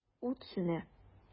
Ут сүнә.